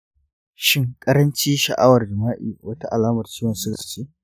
shin ƙaranci sha'awar jima'i wata alamar ciwon suga ce?